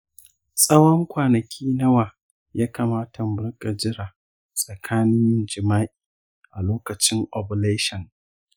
tsawon kwanaki nawa ya kamata mu rika jira tsakanin yin jima’i a lokacin ovulation?